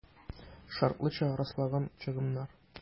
«шартлыча расланган чыгымнар»